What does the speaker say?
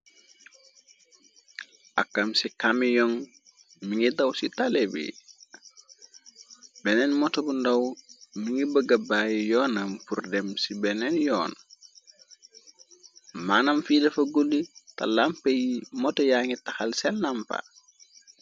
Akam ci camelon mi ngi daw ci tale bi. Beneen moto bu ndaw mi ngi bëggabaayu yoonam bur dem ci beneen yoon. Manam fi dafa guddi ta lampe yi moto yaa ngi taxal sen lampa.